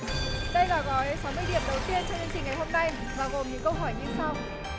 đây là gói sáu mươi điểm đầu tiên trong chương trình ngày hôm nay và gồm những câu hỏi như sau